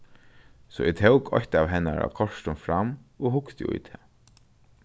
so eg tók eitt av hennara kortum fram og hugdi í tað